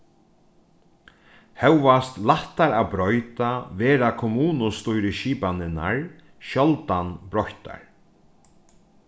hóast lættar at broyta verða kommunustýrisskipanirnar sjáldan broyttar